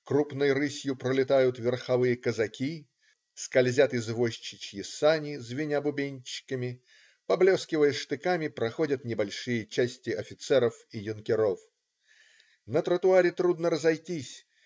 крупной рысью пролетают верховые казаки: скользят извозчичьи сани, звеня бубенчиками: поблескивая штыками, проходят небольшие части офицеров и юнкеров. На тротуаре трудно разойтись